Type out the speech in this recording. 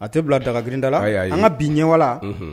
A tɛ bila dagaga grindala an ka bi ɲɛwa